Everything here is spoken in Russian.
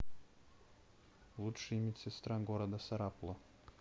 лучшие медсестра города сарапула